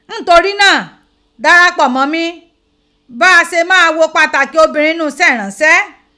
Ntori naa, darapo mo mi bi a se maa gho Pataki obinrin n nu ise iranse.